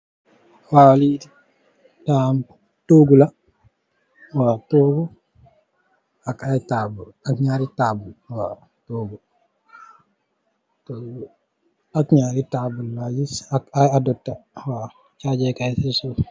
Lii toogu la, ak ay taabul, ak ay ñaari taabul, waw, toggu. Toggu ak ñarri taabul la, ak ay adapta, caaje KAAY si suuf.